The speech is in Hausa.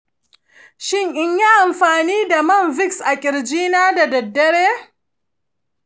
shin in yi anfani da man vicks a kirjina da daddare?